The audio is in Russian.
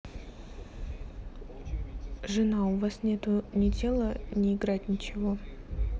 жена у вас нету ни тела ни играть ничего